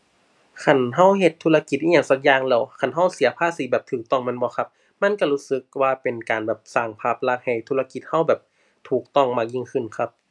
คันเราเฮ็ดธุรกิจอิหยังสักอย่างแล้ว คันเราเสียภาษีแบบเราต้องแม่นบ่ครับ มันเรารู้สึกว่าเป็นการแบบ สร้างภาพลักษณ์ให้ธุรกิจเราแบบ ถูกต้องมากยิ่งขึ้นครับ